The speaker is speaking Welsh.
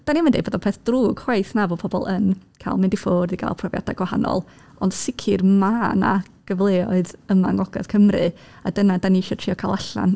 Dan ni'm yn dweud bod o'n peth drwg chwaith, na, bod pobl yn cael mynd i ffwrdd i gael profiadau gwahanol. Ond sicr, mae 'na gyfleoedd yma yng Ngogledd Cymru, a dyna dan ni isio trio cael allan.